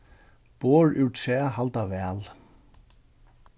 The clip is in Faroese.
borð úr træ halda væl